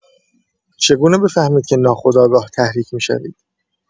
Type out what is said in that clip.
چگونه بفهمید که ناخودآگاه تحریک می‌شوید؟